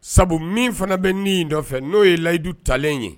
Sabu min fana bɛ nin in nɔfɛ n'o ye layidu talen ye